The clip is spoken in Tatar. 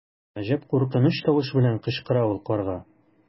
Гаҗәп куркыныч тавыш белән кычкыра ул карга.